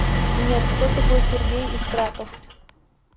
нет кто такой сергей истратов